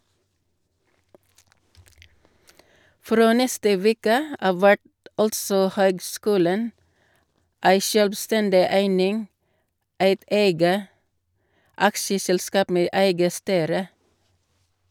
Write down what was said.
Frå neste veke av vert altså høgskulen ei sjølvstendig eining, eit eige aksjeselskap med eige styre.